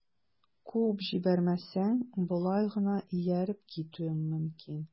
Куып җибәрмәсәң, болай гына ияреп китүем мөмкин...